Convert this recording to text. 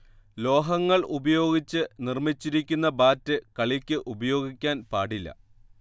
ലോഹങ്ങൾ ഉപയോഗിച്ച് നിർമിച്ചിരിക്കുന്ന ബാറ്റ് കളിക്ക് ഉപയോഗിക്കാൻ പാടില്ല